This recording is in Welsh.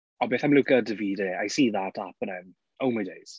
Beth am Luca a Davide? I see that happening. Oh my days.